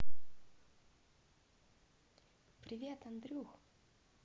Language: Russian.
привет андрюх